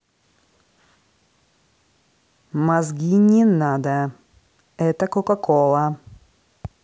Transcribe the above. мозги не надо это coca cola